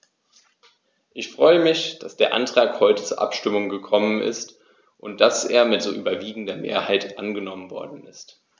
Ich freue mich, dass der Antrag heute zur Abstimmung gekommen ist und dass er mit so überwiegender Mehrheit angenommen worden ist.